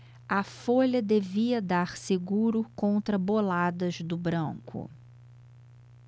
a folha devia dar seguro contra boladas do branco